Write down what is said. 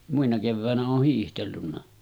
muina keväinä olen hiihdellyt